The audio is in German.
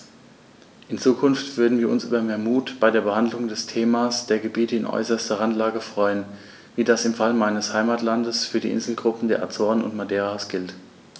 In Zukunft würden wir uns über mehr Mut bei der Behandlung des Themas der Gebiete in äußerster Randlage freuen, wie das im Fall meines Heimatlandes für die Inselgruppen der Azoren und Madeiras gilt.